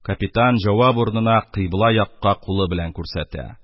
Капитан җавап урынына кыйбла якка кулы белән күрсәтә.